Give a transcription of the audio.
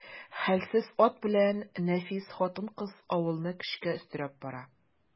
Хәлсез ат белән нәфис хатын-кыз авылны көчкә өстерәп бара.